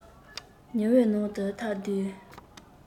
ཉི འོད ནང དུ ཐལ རྡུལ